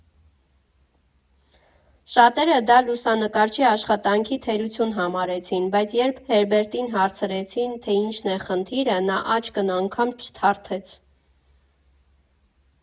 Շատերը դա լուսանկարչի աշխատանքի թերություն համարեցին, բայց երբ Հերբերտին հարցրեցին, թե ինչն է խնդիրը, նա աչքն անգամ չթարթեց։